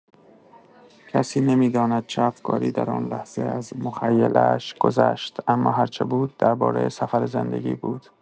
کسی نمی‌داند چه افکاری در آن لحظه از مخیله‌اش گذشت، اما هرچه بود، درباره سفر زندگی بود.